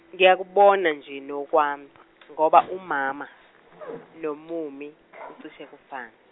ngiyakubona nje nokwami ngoba umama, nomummy kucishe kufane.